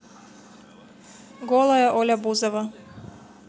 голая оля бузова